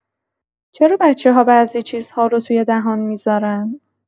چرا بچه‌ها بعضی چیزها رو توی دهان می‌ذارن؟